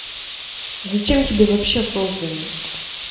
зачем тебе вообще создали